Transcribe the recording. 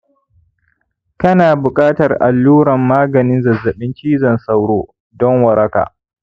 kana buƙatar alluran maganin zazzabin cizon sauro don waraka